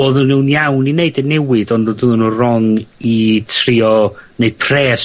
odden nhw'n iawn i neud y newid, ond ro- doedden nhw'n rong i trio neud pres